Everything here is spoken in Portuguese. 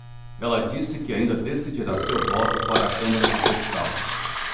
ela disse que ainda decidirá seu voto para a câmara dos deputados